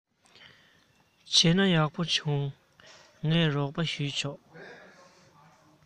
བྱས ན ཡག པོ བྱུང ངས རོགས པ བྱས ཆོག